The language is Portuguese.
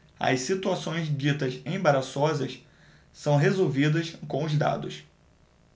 as situações ditas embaraçosas são resolvidas com os dados